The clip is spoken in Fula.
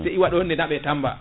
si iwa ɗo ne naaɓe Tamba